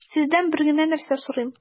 Сездән бер генә нәрсә сорыйм: